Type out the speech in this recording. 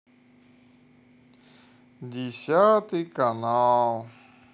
десятый канал